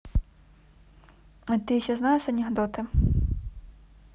а ты еще знаешь анекдоты